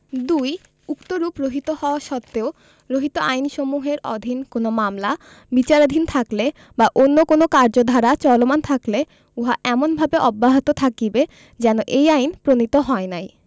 ২ উক্তরূপ রহিত হওয়া সত্ত্বেও রহিত আইনসমূহের অধীন কোন মামলা বিচারাধীন থাকলে বা অন্য কোন কার্যধারা চলমান থাকলে উহা এমনভাবে অব্যাহত থাকিবে যেন এই আইন প্রণীত হয় নাই